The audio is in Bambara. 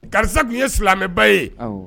Karisa tun ye silamɛmɛba ye